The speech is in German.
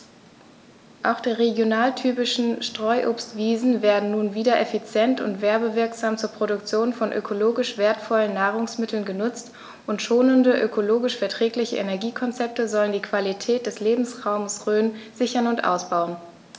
Auch die regionaltypischen Streuobstwiesen werden nun wieder effizient und werbewirksam zur Produktion von ökologisch wertvollen Nahrungsmitteln genutzt, und schonende, ökologisch verträgliche Energiekonzepte sollen die Qualität des Lebensraumes Rhön sichern und ausbauen.